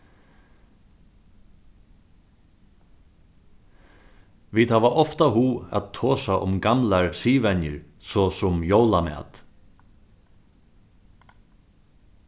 vit hava ofta hug at tosa um gamlar siðvenjur so sum jólamat